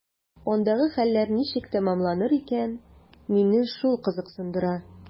Андагы хәлләр ничек тәмамланыр икән – мине шул кызыксындыра.